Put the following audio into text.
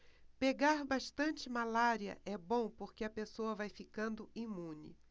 pegar bastante malária é bom porque a pessoa vai ficando imune